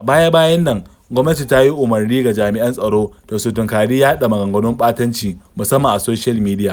A baya-bayan nan, gwamnati ta yi umarni ga jami'an tsaro da su "tunkari yaɗa maganganun ɓatanci, musamman a soshiyal midiya".